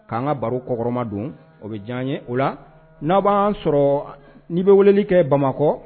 K'an ka baro kɔkɔrɔbama don o bɛ diya ye o la n'a b'a sɔrɔ n'i bɛ weleli kɛ bamakɔ